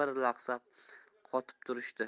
bir lahza qotib turishdi